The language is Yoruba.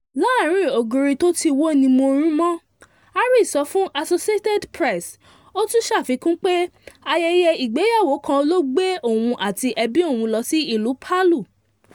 “Láàrin ògiri tó ti wó ni mo rún mọ́” Harris sọ fún Associated Press, ó tún ṣàfikún pé ayẹyẹ ìgbéyàwó kan ló gbé òun àti ẹbí òun wá sí ìlú Palu.